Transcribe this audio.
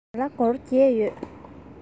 ང ལ སྒོར བརྒྱད ཡོད